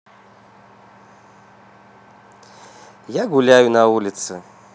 я гуляю на улице